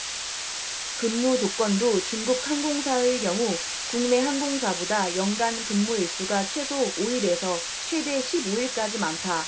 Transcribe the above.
근무조건도 중국 항공사의 경우 국내 항공사보다 연간 근무 일수가 최소 오 일에서 최대 십 오 일까지 많다